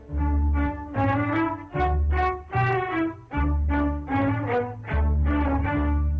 music